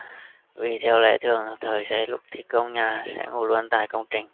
vì theo lẽ thường thợ xây lúc thi công nhà sẽ ngủ luôn tại công trình